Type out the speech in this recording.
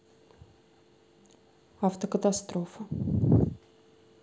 автокатастрофа